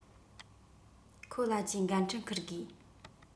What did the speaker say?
ཁོ ལ གྱི འགན འཁྲི འཁུར དགོས